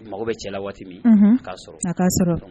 Mago bɛ cɛla la waati min k'a sɔrɔ sɔrɔ